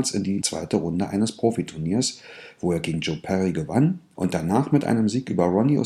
in die zweite Runde eines Profiturniers, wo er gegen Joe Perry gewann und danach mit einem Sieg über Ronnie